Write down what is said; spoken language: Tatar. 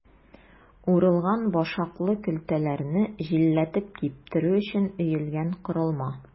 Урылган башаклы көлтәләрне җилләтеп киптерү өчен өелгән корылма.